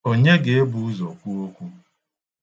Onye ga-ebu ụzọ kwu okwu?